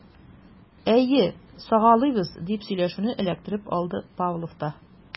Әйе, сагалыйбыз, - дип сөйләшүне эләктереп алды Павлов та.